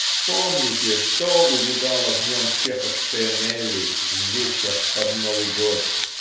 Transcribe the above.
вспомните, что увидала в нем чеховская Нелли в вечер под Новый год.